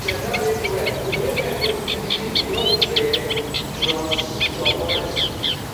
Dyna beth yw e, William Edwards cynlluniodd y dre dros John Morris.